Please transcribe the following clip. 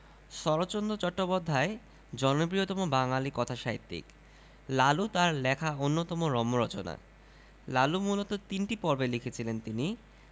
শরৎচন্দ্র চট্টোপাধ্যায় জনপ্রিয়তম বাঙালি কথাসাহিত্যিক লালু তার লেখা অন্যতম রম্য রচনা লালু মূলত তিনটি পর্বে লিখেছিলেন তিনি